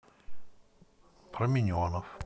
про миньонов